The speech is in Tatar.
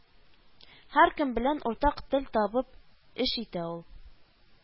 Һәркем белән уртак тел табып эш итә ул